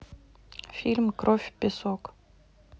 фильм кровь и песок